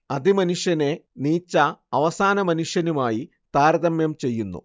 അതിമനുഷ്യനെ Nietzsche അവസാനമനുഷ്യനുമായി താരതമ്യം ചെയ്യുന്നു